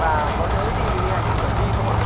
và có nhớ gì về hình ảnh của khởi my không ạ